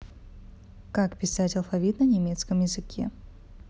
как писать алфавит на немецком языке